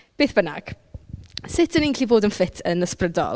Beth bynnag sut y' ni'n gallu bod yn ffit yn ysbrydol?